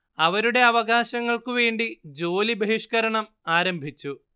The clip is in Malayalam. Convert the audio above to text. അവരുടെ അവകാശങ്ങൾക്കു വേണ്ടി ജോലി ബഹിഷ്കരണം ആരംഭിച്ചു